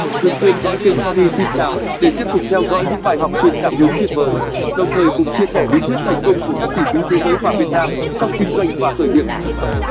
đừng quên dõi kênh tony xin chào để tiếp tục theo dõi những bài học truyền cảm hứng tuyệt vời đồng thời cùng chia sẻ bí quyết thành công của các tỷ phú thế giới và việt nam trong kinh doanh và khởi nghiệp